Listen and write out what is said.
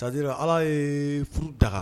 Ra ala ye furu daga